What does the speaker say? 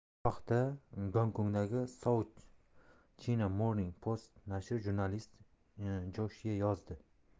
bu haqda gonkongdagi south china morning post nashri jurnalisti josh ye yozdi